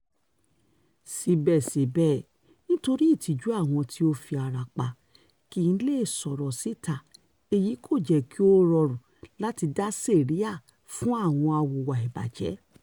Síbẹ̀síbẹ̀, nítorí ìtìjú àwọn tí ó fi ara pa kì í leè sọ̀rọ̀ síta èyí kò sì jẹ́ kí ó rọrùn láti dá sẹ̀ríà fún àwọn awùwà ìbàjẹ́.